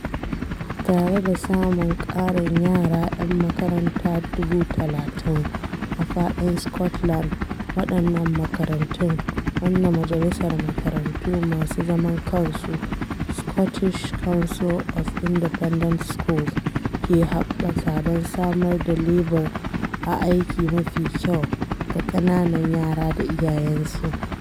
Tare da samun ƙarin yara ‘yan makaranta 30,000 a faɗin Scotland, wadannan makarantun, wanda Majalisar Makarantu Masu Zaman Kansu (Scottish Council of Independent Schools), ke hoɓɓasa don samar da lebur na aiki mafi kyau ga ƙananan yara da iyayensu.